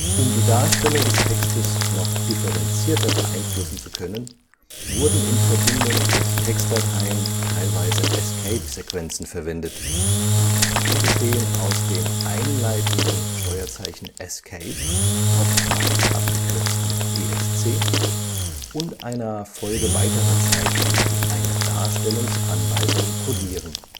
Um die Darstellung des Textes noch differenzierter beeinflussen zu können, wurden in Verbindung mit Textdateien teilweise Escape-Sequenzen verwendet. Sie bestehen aus dem einleitenden Steuerzeichen Escape (ESC) und einer Folge weiterer Zeichen, die eine Darstellungsanweisung codieren